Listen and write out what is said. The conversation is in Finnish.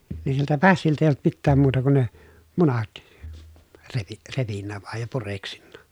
niin siltä pässiltä ei ollut mitään muuta kuin ne munat - repinyt vain ja pureksinut